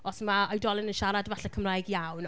Os mae oedolyn yn siarad, falle Cymraeg iawn.